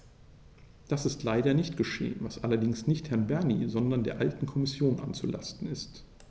Das ist leider nicht geschehen, was allerdings nicht Herrn Bernie, sondern der alten Kommission anzulasten ist.